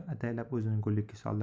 ataylab o'zini go'liikka soldi